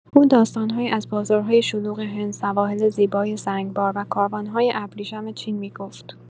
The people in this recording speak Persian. او داستان‌هایی از بازارهای شلوغ هند، سواحل زیبای زنگبار و کاروان‌های ابریشم چین می‌گفت.